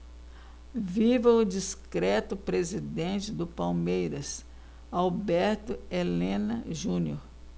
viva o discreto presidente do palmeiras alberto helena junior